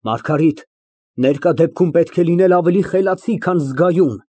Մարգարիտ, ներկա դեպքում պետք է լինել ավելի խելացի, քան զգայուն։